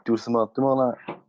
dwi wrth fy- dwi me'l 'na